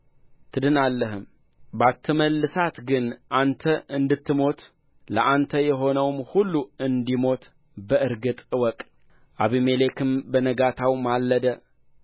ትድናለህም ባትመልሳት ግን አንተ እንድትሞት ለአንተ የሆነውም ሁሉ እንዲሞት በእርግጥ እወቅ አቢሜሌክም በነገታው ማለደ